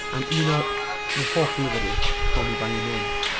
A'n un o, fy hoff lyfr i, 'Call Me By Your Name'.